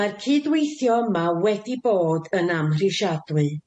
Mae'r cydweithio yma wedi bod yn amhrishadwy.